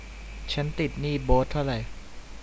ฉันติดหนี้โบ๊ทเท่าไร